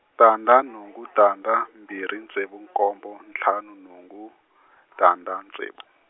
tandza nhungu tandza, mbirhi ntsevu nkombo ntlhanu nhungu, tandza ntsevu.